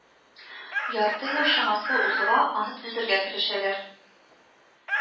Ярты ел чамасы узуга аны төзергә керешәләр